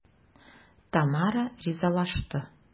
Тамара ризалашты.